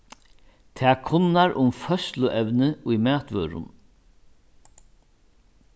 tað kunnar um føðsluevni í matvørum